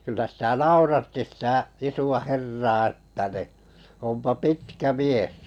kyllä sitä nauratti sitä isoa herraa että niin onpa pitkä mies